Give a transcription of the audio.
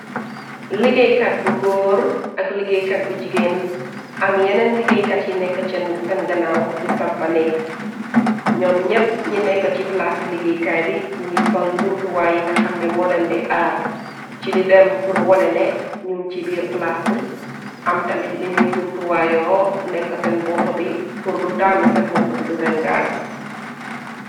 Liggéeykat bu góor ak liggéeykat bu jigéen. Am yeneen liggéeykat yi nekk ci seen ganaaw di sampa nekk. Nyoom ñépp ñi nekk ci plaasi liggéeykaay bi ñi ngiy sol njumtuwaay yi nga xamne moolen di aar ci li dem pur wone ne ñuŋ ci biir plaas bi. Am tamit liñuy njumtuwaayoo nekk seen bopp bi purlu dannu seen bopp bi duleen gaañ.